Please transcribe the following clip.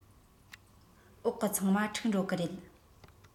འོག གི ཚང མ འཁྲུག འགྲོ གི རེད